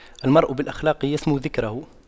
المرء بالأخلاق يسمو ذكره